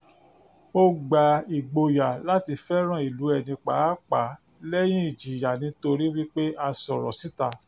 Ó gba ìgboyà láti fẹ́ràn ìlú ẹni pàápàá lẹ́yìn ìjìyà nítorí wípé a sọ̀rọ̀ síta.